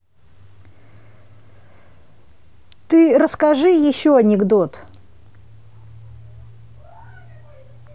ты расскажи еще анекдот